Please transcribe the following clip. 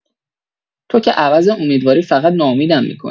تو که عوض امیدواری فقط ناامیدم می‌کنی.